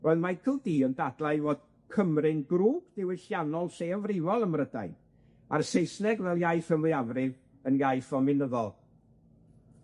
Roedd Michael Dee yn dadlau fod Cymru'n grŵp ddiwylliannol lleiafrifol ym Mrydain, a'r Saesneg fel iaith y mwyafrif yn iaith ddominyddol.